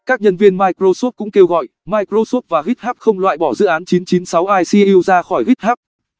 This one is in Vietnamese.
các nhân viên microsoft cũng kêu gọi microsoft và github không loại bỏ dự án icu ra khỏi github